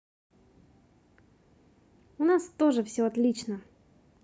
у нас тоже все отлично